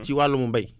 ci wàllum mbéy